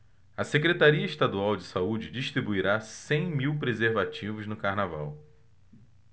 a secretaria estadual de saúde distribuirá cem mil preservativos no carnaval